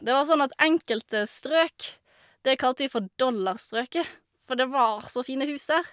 Det var sånn at enkelte strøk det kalte vi for dollarstrøket, for det var så fine hus der.